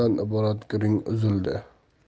iborat gurung uzildi